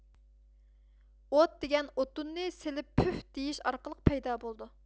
ئوت دېگەن ئۇتۇننى سېلىپ پۈھ دېيىش ئارقىلىق پەيدا بولىدۇ